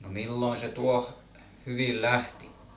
no milloin se tuohi hyvin lähti